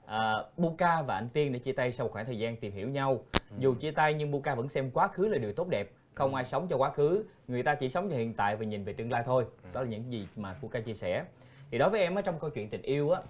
ờ bu ca và anh tiên đã chia tay sau một khoảng thời gian tìm hiểu nhau dù chia tay nhưng bu ca vẫn xem quá khứ là điều tốt đẹp không ai sống cho quá khứ người ta chỉ sống cho hiện tại và nhìn về tương lai thôi đó là những gì mà bu ca chia sẻ thì đối với em á trong câu chuyện tình yêu á